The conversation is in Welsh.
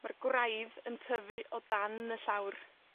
Ma'r gwraidd yn tyfu o dan yn y llawr.